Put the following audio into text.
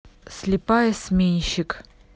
слепая сменщик